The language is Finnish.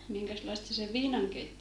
minkäslaista se viinankeitto